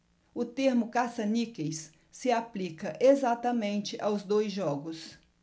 o termo caça-níqueis se aplica exatamente aos dois jogos